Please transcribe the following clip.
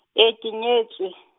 e ke nyetswe.